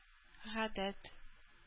Гадәт